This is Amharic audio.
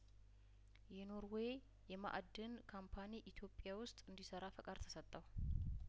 የኖርዌይ የማእድን ካምፓኒ ኢትዮጵያ ውስጥ እንዲሰራ ፈቃድ ተሰጠው